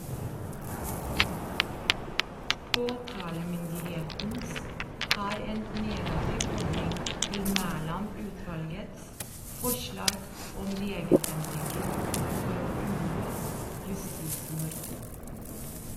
Påtalemyndigheten har en negativ holdning til Mæland-utvalgets forslag om regelendringer for å unngå justismord.